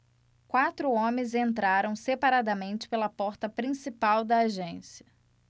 quatro homens entraram separadamente pela porta principal da agência